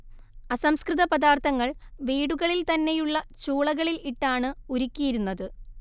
അസംസ്കൃത പദാർത്ഥങ്ങൾ വീടുകളിൽ തന്നെയുള്ള ചൂളകളിൽ ഇട്ടാണ് ഉരുക്കിയിരുന്നത്